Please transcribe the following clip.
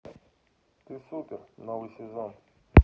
ты супер новый сезон